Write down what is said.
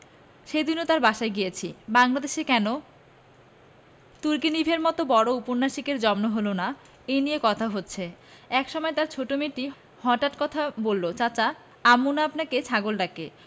সেদিনও তার বাসায় গিয়েছি বাংলাদেশে কেন তুর্গেনিভের মত বড় উপন্যাসিকের জন্ম হল না এই নিয়ে কথা হচ্ছে এক সময় তাঁর ছোট মেয়েটি হঠাৎ কথা বলল চাচা আম্মু না আপনাকে ছাগল ডাকে